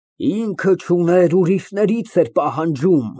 Ինքը չուներ, ուրիշներից էր պահանջում։